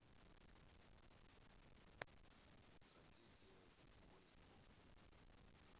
трагедия в уэйко